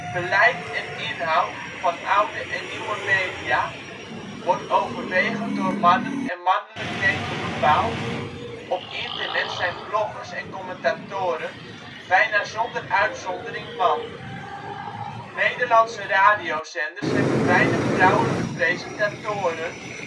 Beleid en inhoud van oude en nieuwe media wordt overwegend door mannen en mannelijk denken bepaald, op internet zijn bloggers en commentatoren bijna zonder uitzondering man. Nederlandse radiozenders hebben weinig vrouwelijke presentatoren